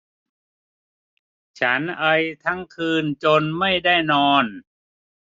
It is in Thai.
ฉันไอทั้งคืนจนไม่ได้นอน